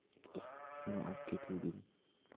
shuni obketuvdim